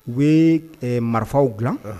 U bɛ marifaw dilan